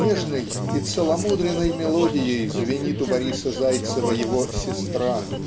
Нежной и целомудренной мелодией звенит у Бориса Зайцева его "Сестра"